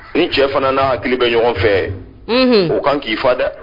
Ni cɛ fana n'a hakili bɛ ɲɔgɔn fɛ, unhun, o kan k'i fa dɛ